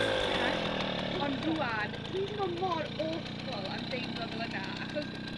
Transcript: what the heck? Ond rŵan dwi teimlo mor aweful am deimlo fel yna achos